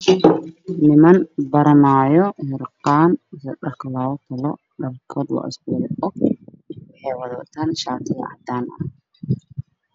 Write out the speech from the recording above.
Waa niman baranaayo harqaan dharkoodu waa isku mid waxay wataan shaatiyo cadaan ah.